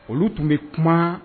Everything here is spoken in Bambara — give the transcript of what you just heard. Olu tun bɛ kuma